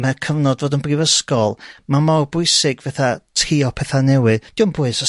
ma'r cyfnod fod yn brifysgol ma' mor bwysig fetha trio petha' newydd diom bwys os